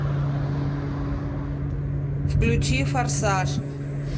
включи форсаж